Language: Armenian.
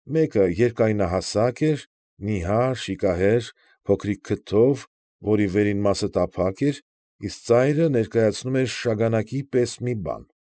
Մեկը երկայնահասակ էր, նիհար, շիկահեր, փոքրիկ քթով, որի վերին մասը տափակ էր, իսկ ծայրը ներկայացնում էր շագանակի պես մի բան։